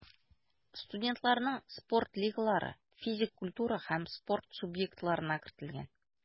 Студентларның спорт лигалары физик культура һәм спорт субъектларына кертелгән.